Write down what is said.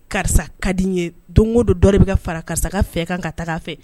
Karisa ka di ye don o don dɔ bɛ ka fara karisa ka fɛ kan ka taa a fɛ